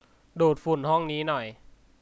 ดูดฝุ่นห้องนี้ให้หน่อย